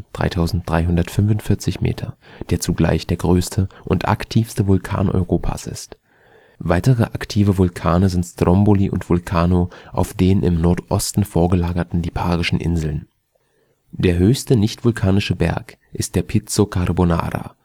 3345 m), der zugleich der größte und aktivste Vulkan Europas ist. Weitere aktive Vulkane sind Stromboli und Vulcano auf den im Nordosten vorgelagerten Liparischen Inseln. Der höchste nichtvulkanische Berg ist der Pizzo Carbonara